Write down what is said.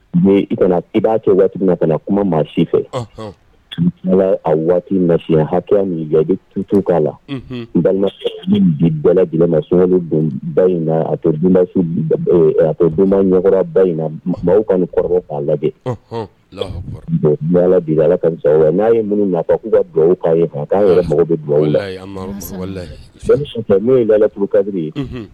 N i kana i b'a to waati na kana kuma maa si fɛ ala a waati na fiɲɛ ha min jaabi tutu k'a la n balima bila sun niba in na a to ababa in na mɔgɔw ka nin kɔrɔ k'a lajɛ ala bi ala ka aw n'a ye minnu na k'u ka du'a ye k' yɛrɛ mako bɛ dugawu la la kadi ye